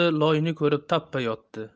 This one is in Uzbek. loyni ko'rib tappa yotdi